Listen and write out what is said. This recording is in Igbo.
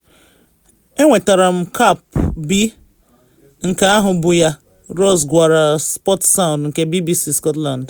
Enwetara m cap B nke ahụ bụ ya,” Ross gwara Sportsound nke BBC Scotland.